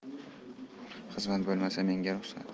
xizmat bo'lmasa menga ruhsat